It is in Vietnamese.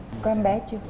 có em bé chưa